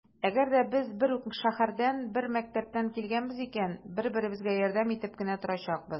Әгәр дә без бер үк шәһәрдән, бер мәктәптән килгәнбез икән, бер-беребезгә ярдәм итеп кенә торачакбыз.